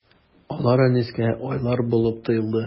Алар Әнискә айлар булып тоелды.